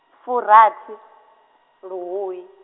furathi, luhuhi.